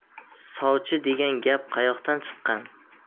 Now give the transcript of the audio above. sovchi degan gap qayoqdan chiqqan